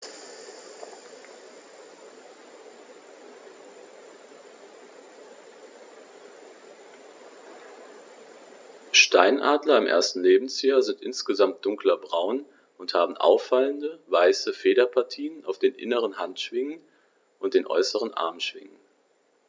Steinadler im ersten Lebensjahr sind insgesamt dunkler braun und haben auffallende, weiße Federpartien auf den inneren Handschwingen und den äußeren Armschwingen.